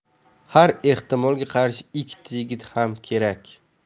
har ehtimolga qarshi ikkita yigit ham kerak